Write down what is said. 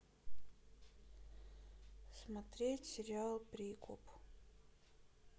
смотреть сериал прикуп